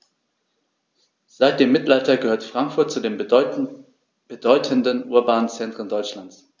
Seit dem Mittelalter gehört Frankfurt zu den bedeutenden urbanen Zentren Deutschlands.